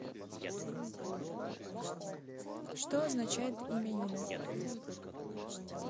что означает имя юля